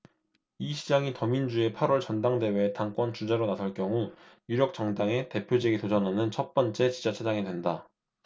이 시장이 더민주의 팔 월 전당대회에 당권 주자로 나설 경우 유력 정당의 대표직에 도전하는 첫번째 지자체장이 된다